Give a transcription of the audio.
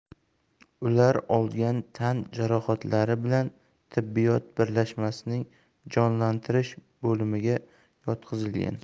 ular olgan tan jarohatlari bilan tibbiyot birlashmasining jonlantirish bo'limiga yotqizilgan